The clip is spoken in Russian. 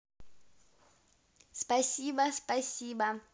спасибо спасибо